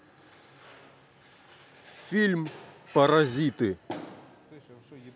фильм паразиты